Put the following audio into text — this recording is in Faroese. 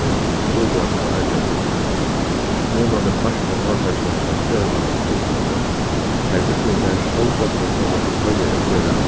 koma til gjáar at arbeiða úti kommunan er partur av átakinum hjá ferðamannaskrivstovuni har útlendingar sjálvbodnir koma til føroyar at gera